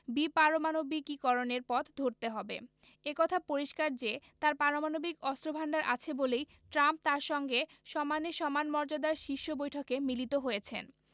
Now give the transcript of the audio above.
বিপারমাণবিকীকরণের পথ ধরতে হবে এ কথা পরিষ্কার যে তাঁর পারমাণবিক অস্ত্রভান্ডার আছে বলেই ট্রাম্প তাঁর সঙ্গে সমানে সমান মর্যাদায় শীর্ষ বৈঠকে মিলিত হয়েছেন